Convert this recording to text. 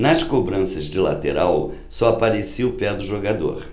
nas cobranças de lateral só aparecia o pé do jogador